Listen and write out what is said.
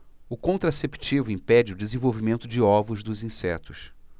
o contraceptivo impede o desenvolvimento de ovos dos insetos